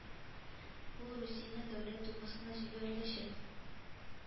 Ул Русиянең дәүләт думасына җибәреләчәк